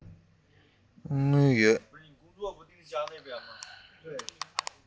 ང ལ དངུལ ཡོད